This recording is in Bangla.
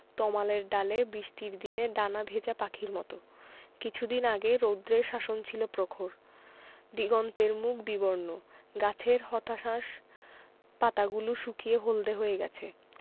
তমালের ডালে বৃষ্টির দিনে ডানা ভেজা পাখির মত কিছুদিন আগে রৌদ্রের শাসন ছিল প্রখর দিগন্তের মুখ বিবর্ণ গাছের হতাশ্বাস পাতাগুলো শুকিয়ে হলদে হয়ে গেছে